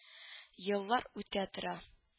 Еллар үтә тора